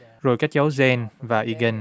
rồi các cháu den và i gừn